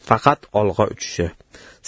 faqat olg'a uchishi